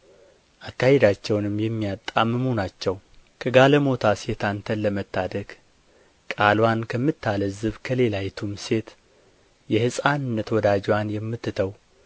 አካሄዳቸውንም የሚያጣምሙ ናቸው ከጋለሞታ ሴት አንተን ለመታደግ ቃልዋን ከምታለዝብ ከሌላዪቱም ሴት የሕፃንነት ወዳጅዋን የምትተው